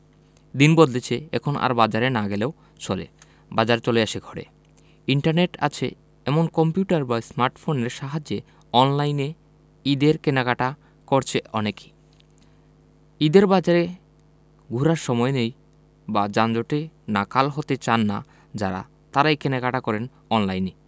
দিন বদলেছে এখন আর বাজারে না গেলেও চলে বাজার চলে আসে ঘরে ইন্টারনেট আছে এমন কম্পিউটার বা স্মার্টফোনের সাহায্যে অনলাইনে ঈদের কেনাকাটা করছে অনেকে ঈদের বাজারে ঘোরার সময় নেই বা যানজটে নাকাল হতে চান না যাঁরা তাঁরাই কেনাকাটা করেন অনলাইনে